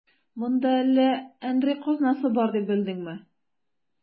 Монда әллә әндри казнасы бар дип белдеңме?